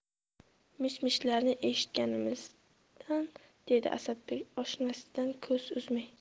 mish mishlarni eshitgandirsan dedi asadbek oshnasidan ko'z uzmay